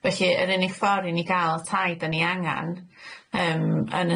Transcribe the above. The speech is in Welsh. Felly yr unig ffor i ni ga'l tai 'dan ni angan yym yn